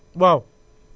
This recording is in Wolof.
waaw